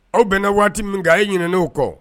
Aw bɛnna waati min kan a ye ɲinen kɔ